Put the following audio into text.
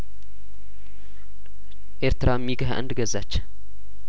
ኤርትራ ሚግ ሀያአንድ ገዛች